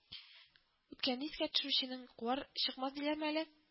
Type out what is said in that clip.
- үткәнне искә төшерүченең, күар чыксын, диләрме әле